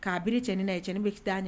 K kabiri cɛn nin na ye cɛ ni bɛ taa nin